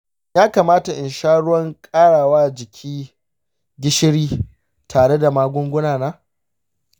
shin ya kamata in sha ruwan ƙara wa jiki gishiri tare da magungunana?